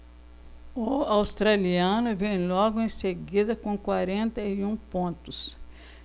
o australiano vem logo em seguida com quarenta e um pontos